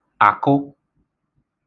àkụ